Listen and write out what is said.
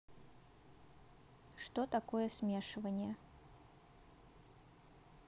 что такое смешивание